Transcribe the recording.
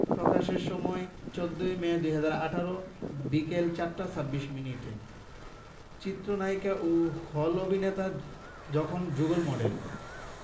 প্রকাশের সময় ১৪ই মে ২০১৮ বিকেল ৪টা ২৬ মিনিট চিত্রনায়িকা ও খল অভিনেতা যখন যুগল মডেল